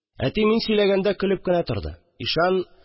Әти мин сөйләгәндә көлеп кенә торды